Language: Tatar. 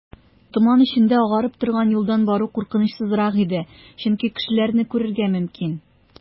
Томан эчендә агарып торган юлдан бару куркынычсызрак иде, чөнки кешеләрне күрергә мөмкин.